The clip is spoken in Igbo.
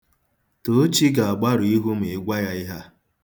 Toochi ga-agbarụ ihu ma ị gwa ya ihe a.